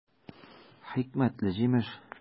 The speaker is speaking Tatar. Хикмәтле җимеш!